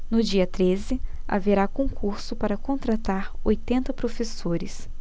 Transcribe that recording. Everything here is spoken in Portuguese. no dia treze haverá concurso para contratar oitenta professores